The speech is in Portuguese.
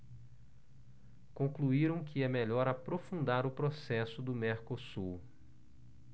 concluíram que é melhor aprofundar o processo do mercosul